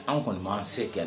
An kɔni'an se kɛlɛ